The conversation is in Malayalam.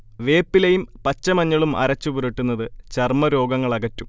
വേപ്പിലയും പച്ചമഞ്ഞളും അരച്ചു പുരട്ടുന്നത് ചർമ രോഗങ്ങളകറ്റും